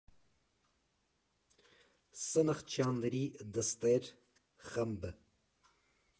Սնխչյանների դստեր ֊ խմբ.